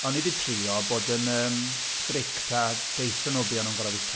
O'n i 'di trio bod yn yym strict a deud wrthyn nhw beth oedden nhw'n gorfod fwyta...